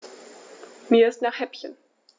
Mir ist nach Häppchen.